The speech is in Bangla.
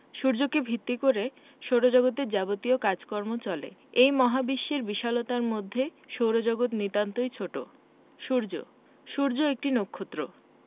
সূর্যকে ভিত্তি করে সৌরজগতের যাবতীয় কাজকর্ম চলে এই মহাবিশ্বের বিশালতার মধ্যে সৌরজগৎ নিতান্তই ছোট সূর্য সূর্য একটি নক্ষত্র